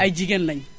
ay jigéen lañu